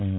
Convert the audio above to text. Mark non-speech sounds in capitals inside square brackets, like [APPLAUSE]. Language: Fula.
[HESITATION] [HESITATION]